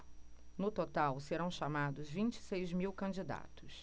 no total serão chamados vinte e seis mil candidatos